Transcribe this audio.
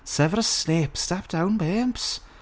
Severus Snape, step down babes.